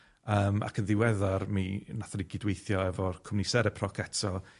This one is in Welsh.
yym ac yn ddiweddar mi nathon ni gydweithio efo cwmni Cereproc eto